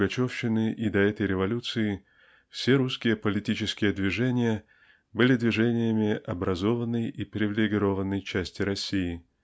пугачевщины и до этой революции все русские политические движения были движениями образованной и привилегированной части России.